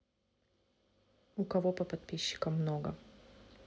у кого по подписчикам много